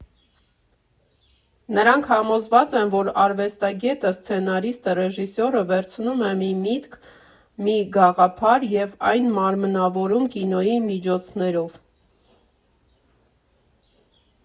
Նրանք համոզված են, որ արվեստագետը (սցենարիստը, ռեժիսորը) վերցնում է մի միտք, մի գաղափար և այն մարմնավորում կինոյի միջոցներով։